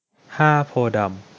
ห้าโพธิ์ดำ